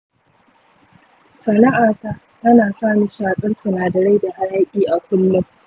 sana'ata tana sa ni shakar sinadarai da hayaki a kullum.